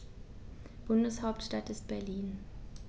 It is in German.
Bundeshauptstadt ist Berlin.